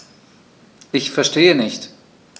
Ich verstehe nicht.